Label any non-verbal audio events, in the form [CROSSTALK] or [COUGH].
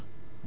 [HESITATION] [HESITATION]